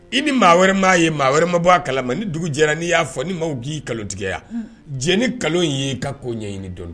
I ni maa wɛrɛ m maa ye wɛrɛ ma bɔ a kala ma ni dugu jɛra n'i y'a fɔ ni maa k'i kalo tigɛya j ni kalo in y ye ka koo ɲɛɲini dɔn